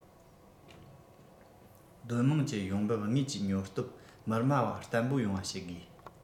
སྡོད དམངས ཀྱི ཡོང འབབ དངོས ཀྱི ཉོ སྟོབས མི དམའ བ བརྟན པོ ཡོང བ བྱེད དགོས